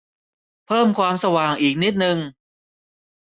เพิ่มความสว่างอีกนิดนึง